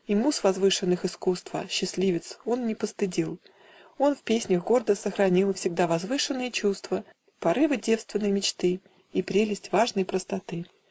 И муз возвышенных искусства, Счастливец, он не постыдил: Он в песнях гордо сохранил Всегда возвышенные чувства, Порывы девственной мечты И прелесть важной простоты.